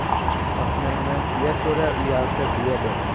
oshnangdan tuya so'ra uyalsa biya berar